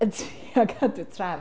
Yn trio cadw trefn.